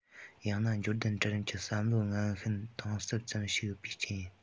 ཡང ན འབྱོར ལྡན གྲལ རིམ གྱི བསམ བློའི ངན ཤན གཏིང ཟབ ཙམ ཞུགས ཡོད པའི རྐྱེན ཡིན